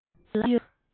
ཡོང གི ཡོད ལ